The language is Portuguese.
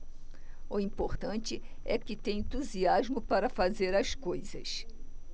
o importante é que tenho entusiasmo para fazer as coisas